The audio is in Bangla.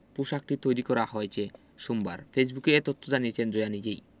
পোশাকটি তৈরি করা হয়েছে সোমবার ফেসবুকে এ তথ্য জানিয়েছেন জয়া নিজেই